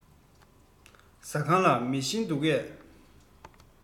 ཟ ཁང ལ མེ ཤིང འདུག གས